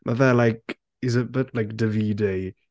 Mae fe like he's a bit like Davide.